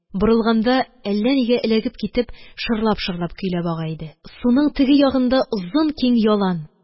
Борылганда әллә нигә эләгеп китеп, шырлап-шырлап көйләп ага иде. суның теге ягында озын киң ялан